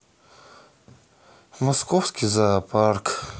московский зоопарк